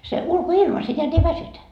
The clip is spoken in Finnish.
se ulkoilma se näet ei väsytä